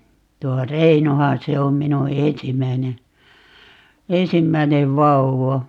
tuo Reinohan se on minun ensimmäinen ensimmäinen vauva